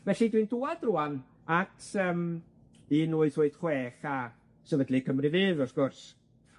Felly, dwi'n dŵad rŵan at yym un wyth wyth chwech a sefydlu Cymru Fydd, wrth gwrs,